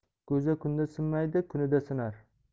ko'za kunda sinmaydi kunida sinar